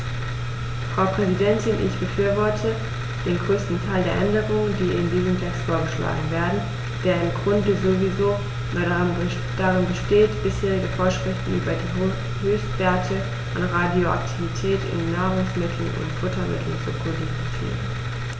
Frau Präsidentin, ich befürworte den größten Teil der Änderungen, die in diesem Text vorgeschlagen werden, der im Grunde sowieso nur darin besteht, bisherige Vorschriften über die Höchstwerte an Radioaktivität in Nahrungsmitteln und Futtermitteln zu kodifizieren.